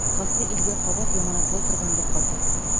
Кыскасы, илгә кабат яманатлы торгынлык кайта.